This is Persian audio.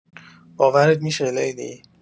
باورت می‌شه لیلی؟